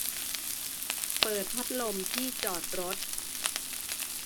เปิดพัดลมที่จอดรถ